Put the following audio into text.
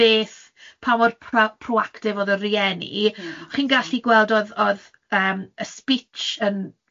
beth pa mor pro- proactive oedd y rhieni, chi'n gallu gweld oedd oedd yym y speech yn